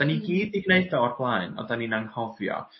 'Dan ni gyd 'di gneud o o'r blaen ond 'dan ni'n anghofio.